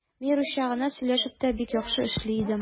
Мин русча гына сөйләшеп тә бик яхшы эшли идем.